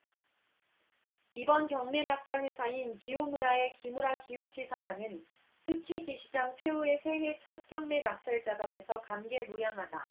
이번 경매 낙찰 회사인 기요무라의 기무라 기요시 사장은 쓰키지시장 최후의 새해 첫경매 낙찰자가 돼서 감개무량하다